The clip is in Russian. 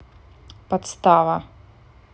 подстава